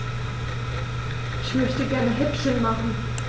Ich möchte gerne Häppchen machen.